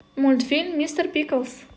мультфильм мистер пиклз